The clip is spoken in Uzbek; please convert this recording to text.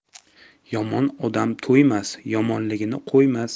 yomon odam to'ymas yomonligini qo'ymas